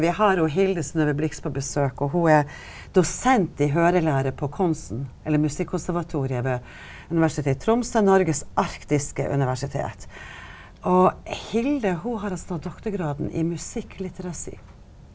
vi har ho Hilde Synnøve Blix på besøk, og ho er dosent i høyrelære på Konsen eller Musikkonservatoriet ved universitetet i Tromsø Noregs arktiske universitet, og Hilde ho har altså tatt doktorgrada i musikk .